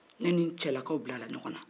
ne ni n cɛlakaw bilara ɲɔgɔn na